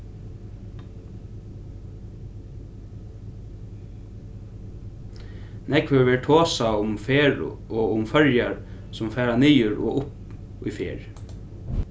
nógv hevur verið tosað um ferð og um føroyar sum fara niður og upp í ferð